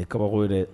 Ni ye kabako ye dɛ